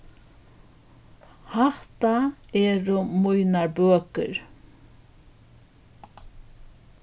hatta eru mínar bøkur